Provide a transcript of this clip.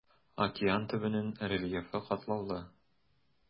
Океан төбенең рельефы катлаулы.